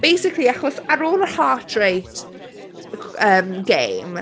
Basically achos ar ôl yr heart-rate c- yym game...